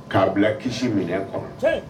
K'a bila kisi minɛ kɔnɔ